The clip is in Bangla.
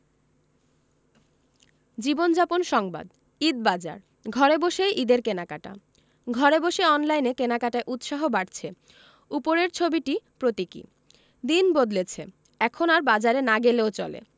জীবনযাপন সংবাদ ঈদবাজার ঘরে বসেই ঈদের কেনাকাটা ঘরে বসে অনলাইনে কেনাকাটায় উৎসাহ বাড়ছে উপরের ছবিটি প্রতীকী দিন বদলেছে এখন আর বাজারে না গেলেও চলে